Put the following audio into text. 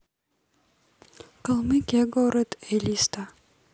калмыкия город элиста